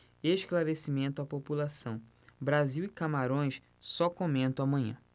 esclarecimento à população brasil e camarões só comento amanhã